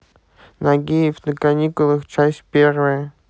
нагиев на каникулах часть первая